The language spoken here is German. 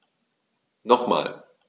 Nochmal.